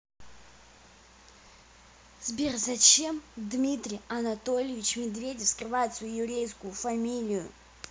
сбер зачем дмитрий анатольевич медведев скрывает свою еврейскую фамилию